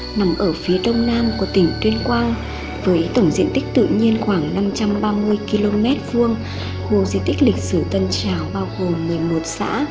nằm ở phía đông nam của tỉnh tuyên quang với tổng diện tích tự nhiên khoảng km khu di tích lịch sư tân trào bao gồm xã